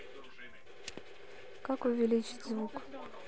как увеличить звук